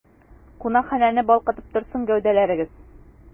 Кунакханәне балкытып торсын гәүдәләрегез!